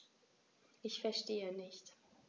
Ich verstehe nicht.